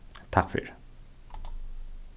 takk fyri